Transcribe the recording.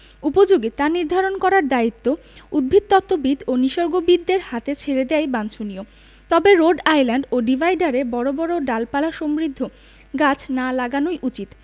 উপযোগী তা নির্ধারণ করার দায়িত্ব উদ্ভিদতত্ত্ববিদ ও নিসর্গবিদদের হাতে ছেড়ে দেয়াই বাঞ্ছনীয় তবে রোড আইল্যান্ড ও ডিভাইডারে বড় ডালপালাসমৃদ্ধ গাছ না লাগানোই উচিত